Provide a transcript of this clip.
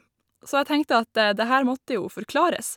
Så jeg tenkte at det her måtte jo forklares.